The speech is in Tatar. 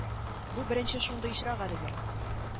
Бу беренче шундый очрак әлегә